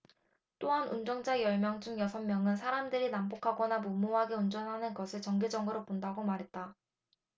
또한 운전자 열 명 중 여섯 명은 사람들이 난폭하거나 무모하게 운전하는 것을 정기적으로 본다고 말했다